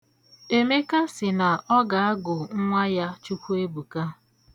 Emeka sị na ọ ga-agụ nwa ya Chukwuebùka.